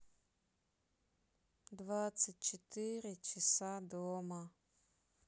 двадцать четыре часа дома